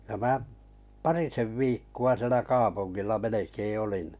ja minä parisen viikkoa siellä kaupungilla melkein olin